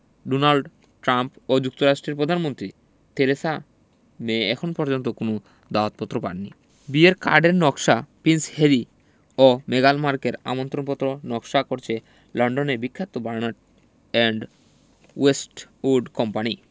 Donald Trump ও যুক্তরাজ্যের প্রধানমন্ত্রী থেরেসা মে এখন পর্যন্ত কোনো দাওয়াতপত্র পাননি বিয়ের কার্ডের নকশা প্রিন্স হ্যারি ও মেগান মার্কেলের আমন্ত্রণপত্র নকশা করছে লন্ডনের বিখ্যাত বার্নার্ড অ্যান্ড ওয়েস্টউড কোম্পানি